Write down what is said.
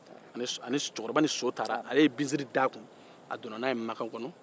a ni so-a ni so cɛkɔrɔba ni so taara ale ye binsiri d'a kun a donna n'a ye makan kɔnɔ